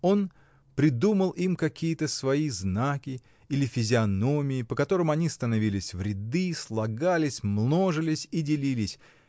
Он придумал им какие-то свои знаки или физиономии, по которым они становились в ряды, слагались, множились и делились